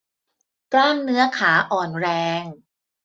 กล้ามเนื้อขาอ่อนแรง